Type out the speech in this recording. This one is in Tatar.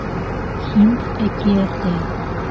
Һинд әкияте